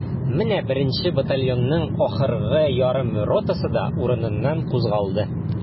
Менә беренче батальонның ахыргы ярым ротасы да урыныннан кузгалды.